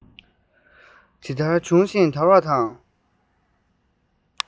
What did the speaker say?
ཇི ལྟར བྱུང ཞིང དར བ དང